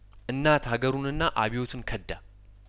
እናት ሀገሩንና አብዮትን ከዳ